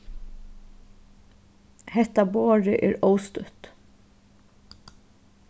hetta borðið er óstútt